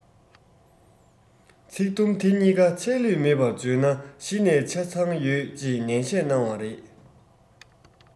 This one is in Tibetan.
ཚིག དུམ དེ གཉིས ཀ ཆད ལུས མེད པར བརྗོད ན གཞི ནས ཆ ཚང ཡོད ཅེས ནན བཤད གནང བ རེད